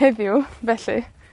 Heddiw, felly,